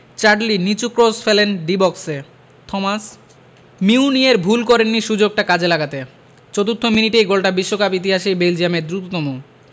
Chadli নিচু cross ফেলেন D বক্সে থমাস মিউনিয়ের ভুল করেননি সুযোগটা কাজে লাগাতে চতুর্থ মিনিটে গোলটা বিশ্বকাপ ইতিহাসেই বেলজিয়ামের দ্রুততম